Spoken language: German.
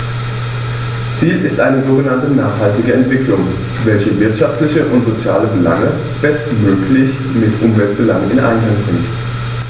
Ziel ist eine sogenannte nachhaltige Entwicklung, welche wirtschaftliche und soziale Belange bestmöglich mit Umweltbelangen in Einklang bringt.